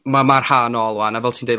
ma' ma'r ha' nôl ŵan, a fel ti'n deu...